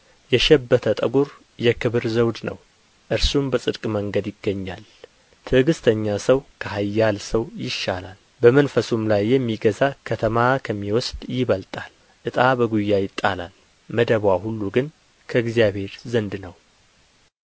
የሸበተ ጠጕር የክብር ዘውድ ነው እርሱም በጽድቅ መንገድ ይገኛል ትዕግሥተኛ ሰው ከኃያል ሰው ይሻላል በመንፈሱም ላይ የሚገዛ ከተማ ከሚወስዱ ይበልጣል ዕጣ በጕያ ይጣላል መደብዋ ሁሉ ግን ከእግዚአብሔር ዘንድ ነው